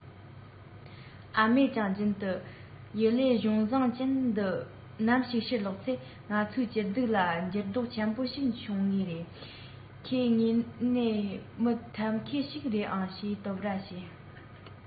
ཨ མས ཀྱང རྒྱུན དུ ཡུ ལེ གཞུང བཟང ཅན འདི ནམ ཞིག ཕྱིར ལོག ཚེ ང ཚོའི སྐྱིད སྡུག ལ འགྱུར ལྡོག ཆེན པོ ཞིག འབྱུང ངེས རེད ཁོང དངོས གནས མི ཐབས མཁས ཤིག རེད ཨང ཞེས བསྟོད ར བྱས